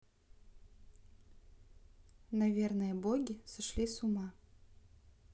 наверное боги сошли с ума